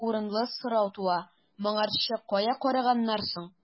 Урынлы сорау туа: моңарчы кая караганнар соң?